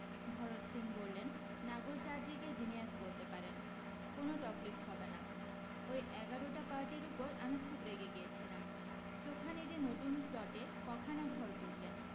ভরত সিং বললেন নাগরচাঁদজীকে জিনিয়াস বলতে পারেন কোনো তখলিফ হবে না ওই এগারোটা পার্টির উপর আমি খুব রেগে গিয়েছিলাম চোখানিজী নতুন প্লটে কখানা ঘর তুলতেন